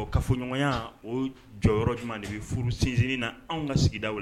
Ɔhɔn, kafoɲɔgɔnya, o jɔyɔrɔ jumɛn de bɛ furu sinsinni na anw ka sigidaw la.